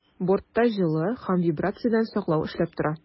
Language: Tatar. Бортта җылы һәм вибрациядән саклау эшләп тора.